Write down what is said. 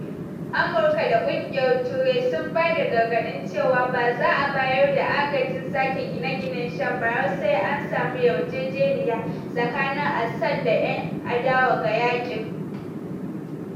Amurka da Kungiyar Turai sun ba da gargadi cewa ba za’a bayar da agajin sake gine-ginen Sham ba har sai an samu yarjejeniya tsakanin Assad da ‘yan adawa ga yakin.